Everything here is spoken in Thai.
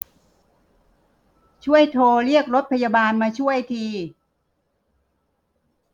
ช่วยโทรเรียกรถพยาบาลมาช่วยที